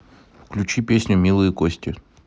включи песню милые кости